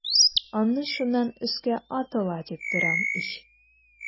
Аны шуннан өскә атыла дип торам ич.